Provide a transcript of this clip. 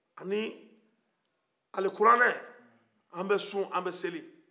ani alikoranɛ an bɛ sun an bɛ seli